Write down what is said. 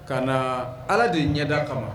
Ka na Ala de ɲɛda kama.